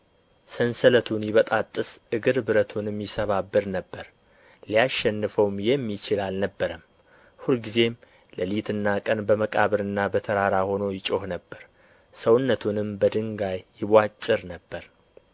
ሰንሰለቱን ይበጣጥስ እግር ብረቱንም ይሰባብር ነበር ሊያሸንፈውም የሚችል አልነበረም ሁልጊዜም ሌሊትና ቀን በመቃብርና በተራራ ሆኖ ይጮኽ ነበር ሰውነቱንም በድንጋይ ይቧጭር ነበር